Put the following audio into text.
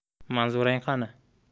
manzurang qani